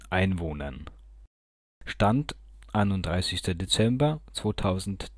Einwohnern (Stand 31. Dezember 2015